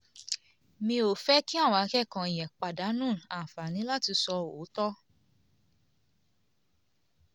Mi ò fẹ́ kí àwọn akẹ́kọ̀ọ́ yẹn pàdánù àǹfààní láti sọ òótọ́.